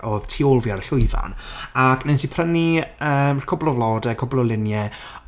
oedd tu ôl fi ar y llwyfan ac wnes i prynu cwpl yym o flodau cwpl o luniau...